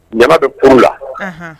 sɛba bɛ cours la